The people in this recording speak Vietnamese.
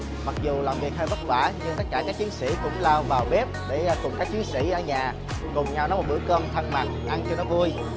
mặc dù làm việc hơi vất vả nhưng tất cả các chiến sĩ cũng lao vào bếp cùng các chiến sĩ ở nhà cùng nhau nấu một bữa cơm thân mật ăn cho nó vui